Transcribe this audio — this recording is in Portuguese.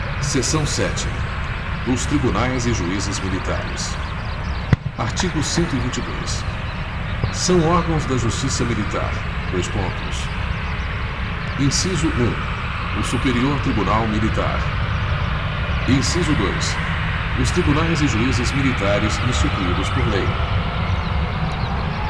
seção sete dos tribunais e juízes militares artigo cento e vinte e dois são órgãos da justiça militar dois pontos inciso um o superior tribunal militar inciso dois os tribunais e juízes militares instituídos por lei